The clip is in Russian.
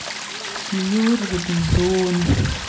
сеньор робинзон